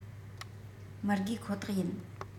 མི དགོས ཁོ ཐག ཡིན